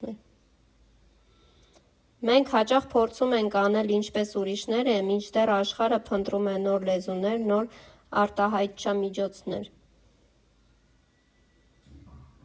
Մենք հաճախ փորձում ենք անել ինչպես ուրիշները, մինչդեռ աշխարհը փնտրում է նոր լեզուներ, նոր արտահայտչամիջոցներ։